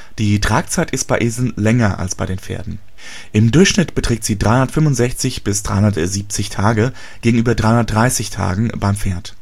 Die Tragzeit ist bei Eseln länger als bei Pferden. Im Durchschnitt beträgt sie 365 bis 370 Tage gegenüber 330 Tagen beim Pferd